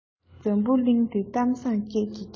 འཛམ བུ གླིང འདིར གཏམ བཟང སྐད ཀྱིས ཁེངས